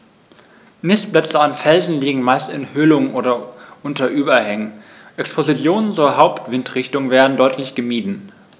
Nistplätze an Felsen liegen meist in Höhlungen oder unter Überhängen, Expositionen zur Hauptwindrichtung werden deutlich gemieden.